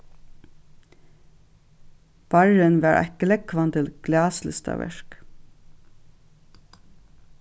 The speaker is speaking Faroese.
barrin var eitt glógvandi glaslistaverk